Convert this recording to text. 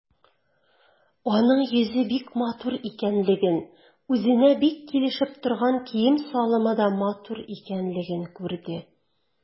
Аның йөзе бик матур икәнлеген, үзенә бик килешеп торган кием-салымы да матур икәнлеген күрде.